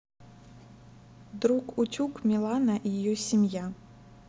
друг утюг милана и ее семья